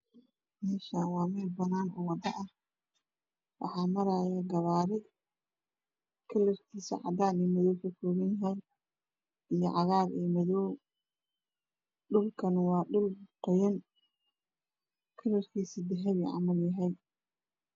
Meeshan waa meel banaan oo waddo ah waxaa marayo gawaari kalaradoo mid cadaan yabay midka kalana cagaran yahay dhulkana waa dhul qoyan kalarkiisana dahabi camal yahay